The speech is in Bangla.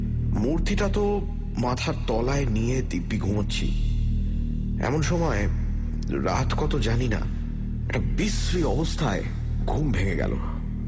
মূর্তিটা তো মাথার তলায় নিয়ে দিব্যি ঘুমোচ্ছি এমন সময় রাত কত জানি না একটা বিশ্রী অবস্থায় ঘুম ভেঙে গেল